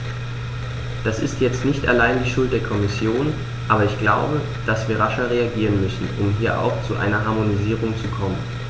Das ist jetzt nicht allein die Schuld der Kommission, aber ich glaube, dass wir rascher reagieren müssen, um hier auch zu einer Harmonisierung zu kommen.